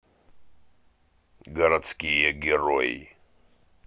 городские герои